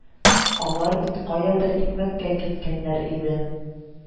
Алар бит каядыр икмәккә киткәннәр иде